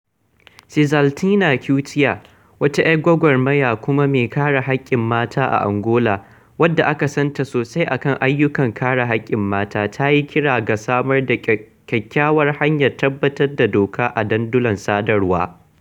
Sizaltina Cutaia, wata 'yar gwargwarmaya kuma mai kare haƙƙin mata a Angola, wadda aka san ta sosai a kan ayyukan kare haƙƙin mata, ta yi kira ga samar da kyakkyawar hanyar tabbatar da dokar a dandulan sadarwa: